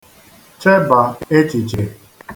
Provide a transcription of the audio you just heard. chebà echìchè